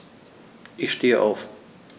Ich stehe auf.